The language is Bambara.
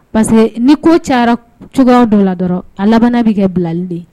Parce que ni ko cayara cogoya dɔ la dɔrɔn a labanana bɛ kɛ bilali de